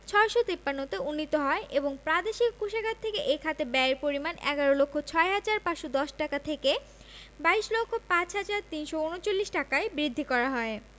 ৬৫৩ তে উন্নীত হয় এবং প্রাদেশিক কোষাগার থেকে এ খাতে ব্যয়ের পরিমাণ ১১ লক্ষ ৬ হাজার ৫১০ টাকা থেকে ২২ লক্ষ ৫ হাজার ৩৩৯ টাকায় বৃদ্ধি করা হয়